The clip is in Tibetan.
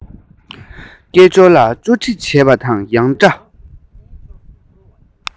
སྐད ཅོར ལ ཅོ འདྲི བྱེད པ དང ཡང འདྲ